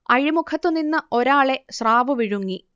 അഴിമുഖത്ത് നിന്ന ഒരാളെ സ്രാവ് വിഴുങ്ങി